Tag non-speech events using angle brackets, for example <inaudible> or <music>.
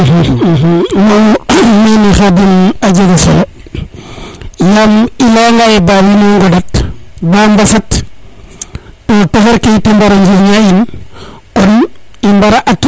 <hesitation> <hesitation> mene Khadim a jega solo yaam i leya nga ye ba wiin we ŋodat ba mbasat no taxar ke yit de mbaroi njirña in kon i mbara at